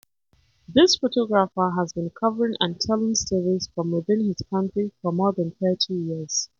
This photographer has been covering and telling stories from within his country for more than 30 years.